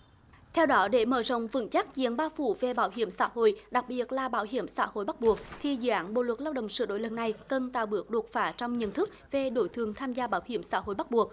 theo đó để mở rộng vững chắc diện bao phủ về bảo hiểm xã hội đặc biệt là bảo hiểm xã hội bắt buộc thì dự án bộ luật lao động sửa đổi lần này cần tạo bước đột phá trong nhận thức về đối tượng tham gia bảo hiểm xã hội bắt buộc